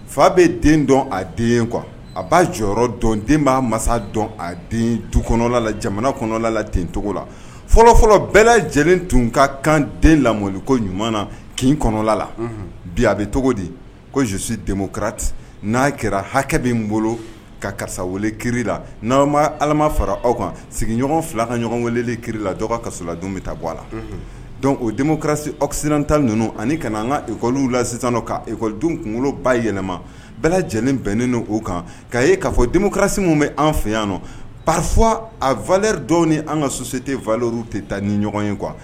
Fa bɛ den dɔn a den qu a b'a jɔyɔrɔ dɔn den b'a masa dɔn a den du kɔnɔla la jamana kɔnɔla la dencogo la fɔlɔfɔlɔ bɛɛ lajɛlen tun ka kan den lako ɲuman na kin kɔnɔla la bi a bɛ cogo di ko zosi denmuso karatati n'a kɛra hakɛ bɛ n bolo ka karisa weele ki la n'aw ma ala fara aw kan sigiɲɔgɔn fila ka ɲɔgɔn wele ki la dɔgɔ kasola dun bɛ taa bɔ a la dɔnku o denmuso kɛrasi awsi tan ninnu ani kana an kakɔliw la sisan'kɔ dun kunkoloba yɛlɛma bɛɛ lajɛlen bɛnnen o kan k' ye k'a fɔ denmuso kɛrasi min bɛ an fɛ yan nɔ paf a vlɛdɔ ni an ka sososi tɛ v tɛ taa ni ɲɔgɔn ye kuwa